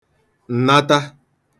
ǹnata